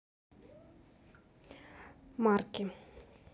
марки